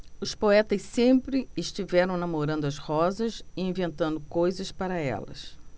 os poetas sempre estiveram namorando as rosas e inventando coisas para elas